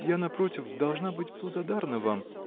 я, напротив, должна быть благодарна вам.